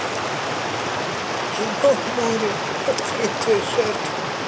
кино море открытые жертвы